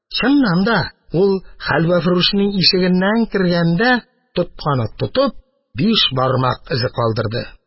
Чыннан да, ул, хәлвәфрүшнең ишегеннән кергәндә тотканы тотып, биш бармак эзе калдырды.